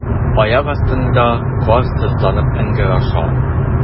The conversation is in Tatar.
Аяк астында кар сызланып ыңгыраша.